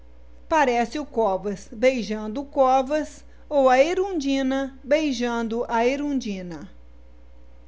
parece o covas beijando o covas ou a erundina beijando a erundina